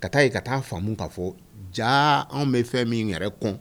Ka taa yen ka taa faamumu ka fɔ jaa anw bɛ fɛn min yɛrɛ kɔn